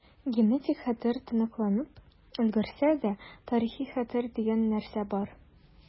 Генетик хәтер тоныкланып өлгерсә дә, тарихи хәтер дигән нәрсә бар.